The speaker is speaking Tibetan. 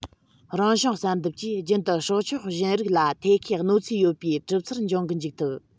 རང བྱུང བསལ འདེམས ཀྱིས རྒྱུན དུ སྲོག ཆགས གཞན རིགས ལ ཐད ཀའི གནོད འཚེ ཡོད པའི གྲུབ ཚུལ འབྱུང གི འཇུག ཐུབ